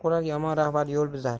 yomon rahbar yo'l buzar